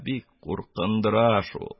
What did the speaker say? Бик куркындыра шул!